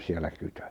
siellä kytö